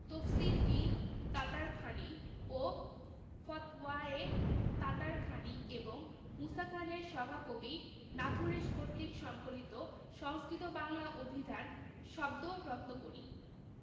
তফসির ই তাতারখানী ও ফতওয়ায়ে তাতারখানী এবং মুসা খানের সভাকবি নাথুরেশ কর্তৃক সংকলিত সংস্কৃত বাংলা অভিধান শব্দ রত্নকরী